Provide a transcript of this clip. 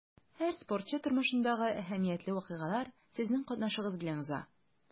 Һәр спортчы тормышындагы әһәмиятле вакыйгалар сезнең катнашыгыз белән уза.